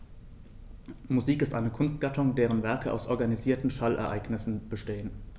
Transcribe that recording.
Musik ist eine Kunstgattung, deren Werke aus organisierten Schallereignissen bestehen.